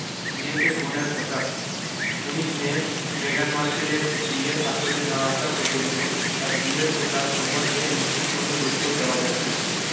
বিয়েতে কনের পোশাক ১৯ মে মেগান মার্কেলের বিয়ের আসরে না আসা পর্যন্ত তাঁর বিয়ের পোশাক সম্পর্কে নিশ্চিত কোনো তথ্য দেওয়া যাচ্ছে না